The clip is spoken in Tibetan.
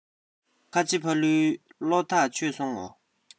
ཁ ཆེ ཕ ལུའི བློ ཐག ཆོད སོང ངོ